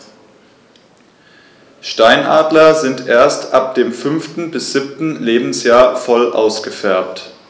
Steinadler sind erst ab dem 5. bis 7. Lebensjahr voll ausgefärbt.